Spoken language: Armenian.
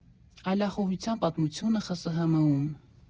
Այլախոհության պատմությունը ԽՍՀՄ֊ում։